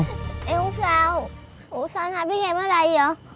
em không sao ủa sao anh hai biết em ở đây dạ